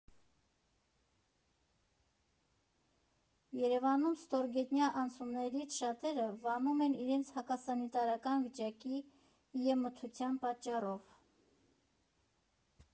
Երևանում ստորգետնյա անցումներից շատերը վանում են իրենց հակասանիտարական վիճակի և մթության պատճառով։